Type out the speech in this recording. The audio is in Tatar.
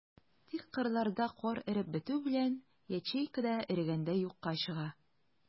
Тик кырларда кар эреп бетү белән, ячейка да эрегәндәй юкка чыга.